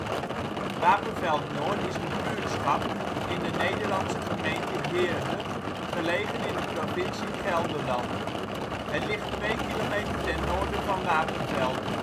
buurtschap in de Nederlandse gemeente Heerde, gelegen in de provincie Gelderland. Het ligt 2 kilometer ten noorden van Wapenveld